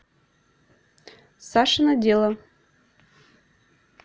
сашино дело